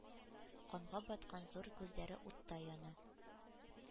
Канга баткан зур күзләре уттай яна.